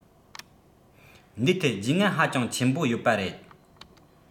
འདིའི ཐད རྒྱུས མངའ ཧ ཅང ཆེན པོ ཡོད པ རེད